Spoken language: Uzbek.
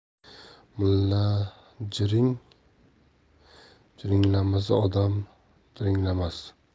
mullajiring jiringlamasa odam dirrnglamas